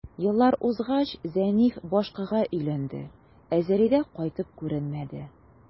Еллар узгач, Зәниф башкага өйләнде, ә Зәлидә кайтып күренмәде.